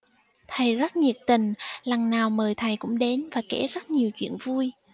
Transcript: thầy rất nhiệt tình lần nào mời thầy cũng đến và kể rất nhiều chuyện vui